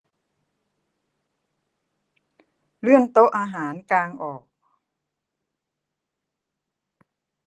เลื่อนโต๊ะอาหารกางออก